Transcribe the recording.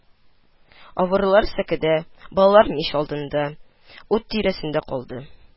Авырулар сәкедә, балалар мич алдында, ут тирәсендә калды